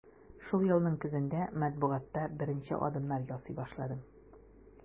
Шул елның көзендә матбугатта беренче адымнар ясый башладым.